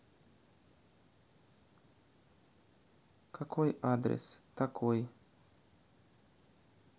какой адрес такой